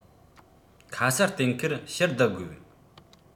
ཁ གསལ གཏན འཁེལ ཕྱིར བསྡུ དགོས